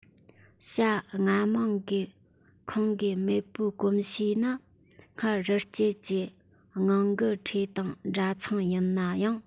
བྱ རྔ མོང གི ཁོངས ཀྱི མེས པོའི གོམས གཤིས ནི སྔར རི སྐྱེས ཀྱི ངང མགུལ ཁྲིས དང འདྲ མཚུངས ཡིན ནའང